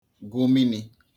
gụ mīnī